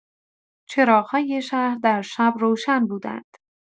چراغ‌های شهر در شب روشن بودند.